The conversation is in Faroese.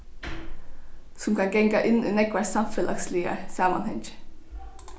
sum kann ganga inn í nógvar samfelagsligar samanhangir